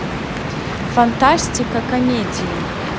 фантастика комедии